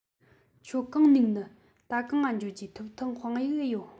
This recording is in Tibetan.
ཁྱོད གང ནས ནིས ད གང ང འགྱོ རྒྱུ ཐོབ ཐང དཔང ཡིག ཨེ ཡོད